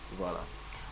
voilà